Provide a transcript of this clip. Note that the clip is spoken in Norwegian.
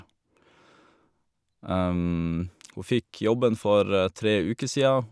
Hun fikk jobben for tre uker sia.